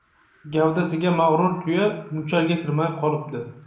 gavdasiga mag'rur tuya muchalga kirmay qolibdi